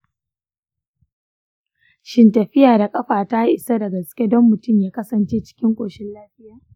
shin tafiya da ƙafa ta isa da gaske don mutum ya kasance cikin ƙoshin lafiya?